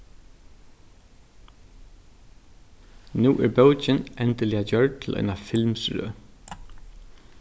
nú er bókin endiliga gjørd til eina filmsrøð